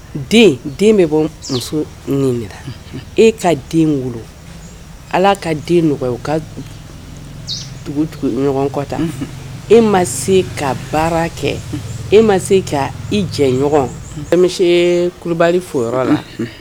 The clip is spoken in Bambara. Den den bɛ bɔ muso e ka den wolo ala ka den nɔgɔya ka ɲɔgɔn kɔta e ma se ka baara kɛ e ma se ka i jɛ ɲɔgɔn se kulubali fo la